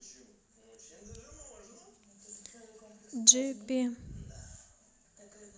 gp